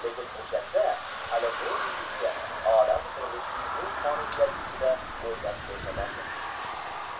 lekin o'shanda hali g'o'r yigitcha olam qurilishining bu qonuniyati ustida o'ylab ko'rmagandi